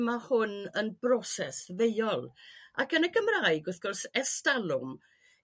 ma' hwn yn broses ddeuol ac yn y Gymraeg wrth gwrs ersdalwm